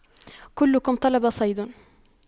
كلكم طلب صيد